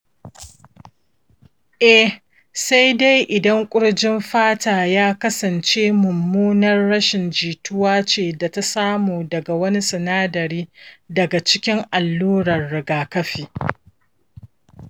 eh, sai idan kurjen fata ya kasance mummunar rashin jituwa ce da ta samu daga wani sinadari daga cikin allurar rigakafi.